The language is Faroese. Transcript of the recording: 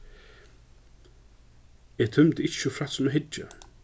eg tímdi ikki so frægt sum at hyggja